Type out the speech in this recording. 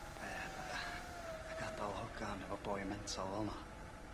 Be- yy yy a gadal hogan efo boi mental fel 'na.